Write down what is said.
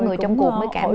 người trong cuộc mới cảm